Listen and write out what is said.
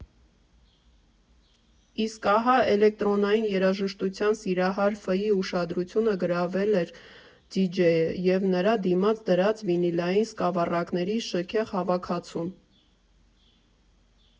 Իսկ ահա էլեկտրոնային երաժշտության սիրահար Ֆ֊ի ուշադրությունը գրավել էր դիջեյը և նրա դիմաց դրած վինիլային սկավառակների շքեղ հավաքածուն։